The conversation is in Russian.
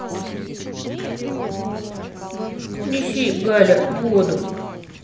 неси галя воду